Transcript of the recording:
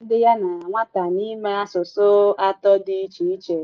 O dere otu n'ime akụkọ gbasara ndị ya na nwata n'ime asụsụ 3 dị ịche ịche,